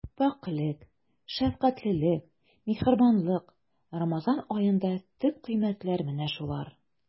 Пакьлек, шәфкатьлелек, миһербанлык— Рамазан аенда төп кыйммәтләр менә шулар.